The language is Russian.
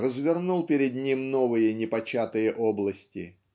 развернул перед ним новые непочатые области.